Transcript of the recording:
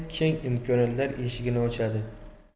imkonlar eshigini ochadi